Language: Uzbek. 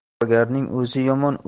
ig'vogarning o'zi yomon